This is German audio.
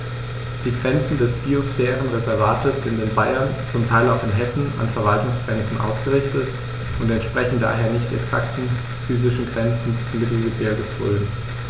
Die Grenzen des Biosphärenreservates sind in Bayern, zum Teil auch in Hessen, an Verwaltungsgrenzen ausgerichtet und entsprechen daher nicht exakten physischen Grenzen des Mittelgebirges Rhön.